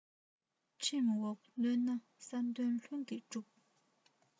ཁྲིམས འགོ ནོན ན བསམ དོན ལྷུན གྱིས འགྲུབ